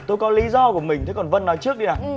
tố có lý do của mình chứ còn vân nói trước đi ạ